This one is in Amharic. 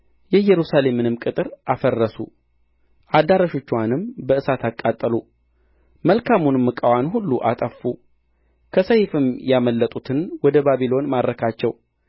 የኢየሩሳሌምንም ቅጥር አፈረሱ አዳራሾችዋንም በእሳት አቃጠሉ መልካሙንም ዕቃዋን ሁሉ አጠፉ ከሰይፍም ያመለጡትን ወደ ባቢሎን ማረካቸው